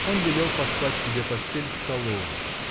он велел постлать себе постель в столовой.